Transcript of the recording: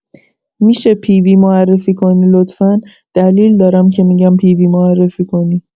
می‌شه پی وی معرفی کنی لطفا، دلیل دارم که می‌گم پی وی معرفی کنی